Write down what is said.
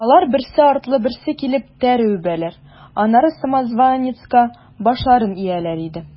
Алар, берсе артлы берсе килеп, тәре үбәләр, аннары самозванецка башларын ияләр иде.